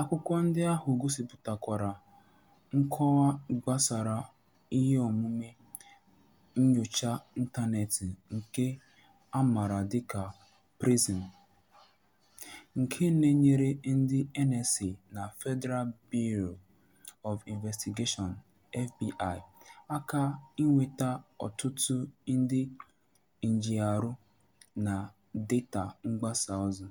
Akwụkwọ ndị ahụ gosịpụtakwara nkọwa gbasara iheomume nnyocha ịntaneetị nke a maara dịka PRISM, nke na-enyere ndị NSA na Federal Bureau of Investigation (FBI) aka inweta ọtụtụ ndị njiarụ na data mgbasaozi